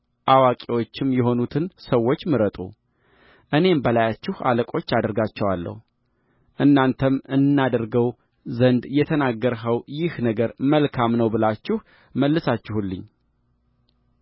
አዋቂዎችም የሆኑትን ሰዎች ምረጡ እኔም በላያችሁ አለቆች አደርጋቸዋለሁእናንተም እናደርገው ዘንድ የተናገርኸው ይህ ነገር መልካም ነው ብላችሁ መለሳችሁልኝ